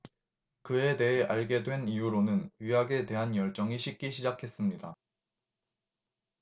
그에 대해 알게 된 이후로는 의학에 대한 열정이 식기 시작했습니다